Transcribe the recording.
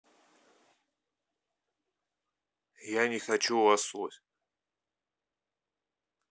я не хочу лосось